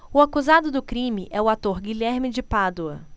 o acusado do crime é o ator guilherme de pádua